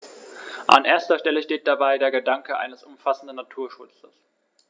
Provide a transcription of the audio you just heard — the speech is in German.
An erster Stelle steht dabei der Gedanke eines umfassenden Naturschutzes.